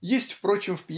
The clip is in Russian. Есть впрочем